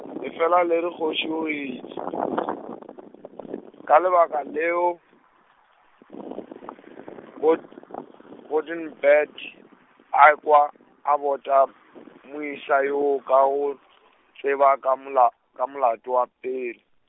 lefela le re kgoši o , ka lebaka leo, got- Good and Bad a ekwa a bota, moisa yoo ka go, tseba ka mola, ka molato wa pele.